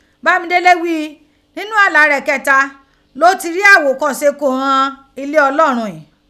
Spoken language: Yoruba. Bámidélé ghí i nínú àláa rẹ̀ kẹ́ta ni ó ti rí àwòṣe ko ighan ilé Ọlọ́run ghin.